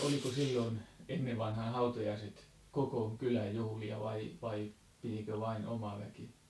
oliko silloin ennen vanhaan hautajaiset koko kylän juhlia vai vai pitikö vain oma väki